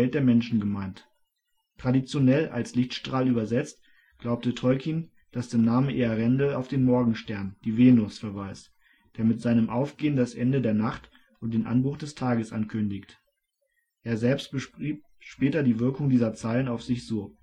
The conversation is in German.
der Menschen gemeint. Traditionell als » Lichtstrahl « übersetzt, glaubte Tolkien, dass der Name Earendel auf den Morgenstern, die Venus, verweist, der mit seinem Aufgehen das Ende der Nacht und den Anbruch des Tages ankündigt. Er selbst beschrieb später die Wirkung dieser Zeilen auf sich so